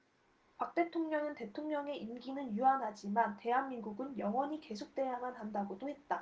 박 대통령은 대통령의 임기는 유한하지만 대한민국은 영원히 계속돼야만 한다고도 했다